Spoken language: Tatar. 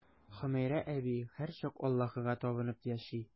Хөмәйрә әби һәрчак Аллаһыга табынып яши.